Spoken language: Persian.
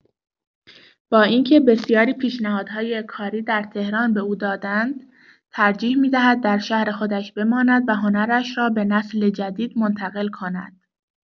با اینکه بسیاری پیشنهادهای کاری در تهران به او داده‌اند، ترجیح می‌دهد در شهر خودش بماند و هنرش را به نسل جدید منتقل کند.